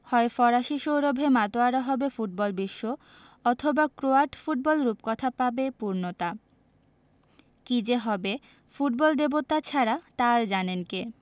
হয় ফরাসি সৌরভে মাতোয়ারা হবে ফুটবলবিশ্ব অথবা ক্রোয়াট ফুটবল রূপকথা পাবে পূর্ণতা কী যে হবে ফুটবল দেবতা ছাড়া তা আর জানেন কে